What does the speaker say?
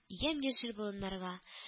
Ям-яшел болыннарга